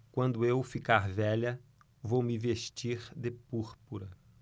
quando eu ficar velha vou me vestir de púrpura